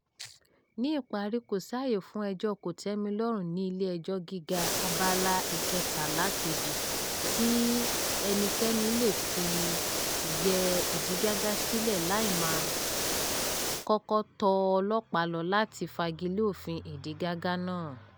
Ní ìparí, “kò sí àyè fún ẹjọ́ọ kò tèmi lọ́rùn ní Ilé-ẹjọ́ Gíga” [Abala 13(2)] tí eẹnikẹ́ni lè fi yẹ ìdígàgá sílẹ̀ láì máà kọ́kọ́ tọ ọlọ́pàá lọ láti fagilé òfin ìdígàgá náà.